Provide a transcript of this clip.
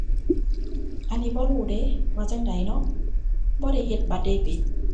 อันนี้บ่รู้เดะ ว่าจั่งใดเนาะ บ่ได้เฮ็ดบัตรเดบิต